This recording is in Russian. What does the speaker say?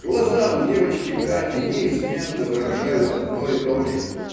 Глаза у девочки Кати неизменно выражают одно и то же